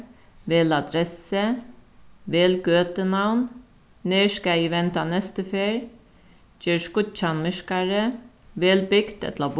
vel adressu vel gøtunavn nær skal eg venda næstu ferð ger skíggjan myrkari vel bygd ella